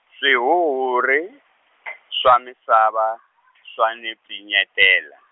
swihuhuri , swa misava, swa ndzi pfinyetela.